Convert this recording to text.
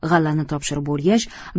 g'allani topshirib bo'lgach